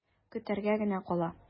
Көтәргә генә кала.